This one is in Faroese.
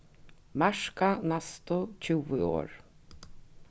marka næstu tjúgu orð